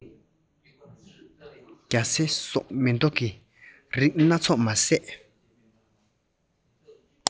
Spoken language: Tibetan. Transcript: བྱེའུ ཆུང རེ གཉིས སྤྲོ བས བརྟས